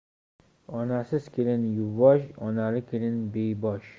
onasiz kelin yuvvosh onali kelin bebosh